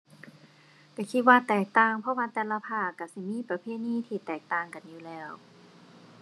ก็คิดว่าแตกต่าง เพราะว่าแต่ละภาคก็สิมีประเพณีที่แตกต่างกันอยู่แล้ว